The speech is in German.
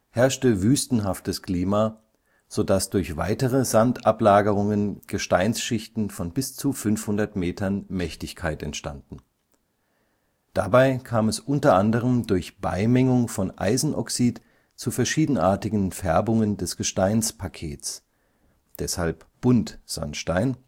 herrschte wüstenhaftes Klima, so dass durch weitere Sandablagerungen Gesteinsschichten von bis zu 500 Metern Mächtigkeit entstanden. Dabei kam es unter anderem durch Beimengung von Eisenoxid zu verschiedenartigen Färbungen des Gesteinspakets – deshalb Buntsandstein